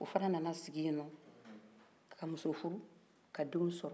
o fana nana sigin ye nɔn ka muso furu ka denw sɔrɔ